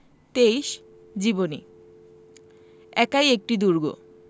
২৩জীবনী একাই একটি দুর্গ